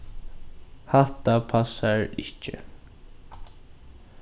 hatta passar ikki